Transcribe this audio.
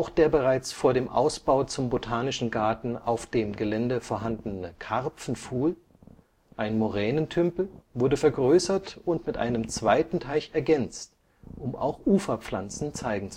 der bereits vor dem Ausbau zum Botanischen Garten auf dem Gelände vorhandene Karpfenpfuhl, ein Moränentümpel, wurde vergrößert und mit einem zweiten Teich ergänzt, um auch Uferpflanzen zeigen